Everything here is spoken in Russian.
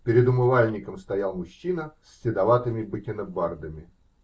Перед умывальником стоял мужчина с седоватыми бакенбардами.